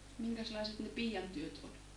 minkäslaiset ne piiantyöt oli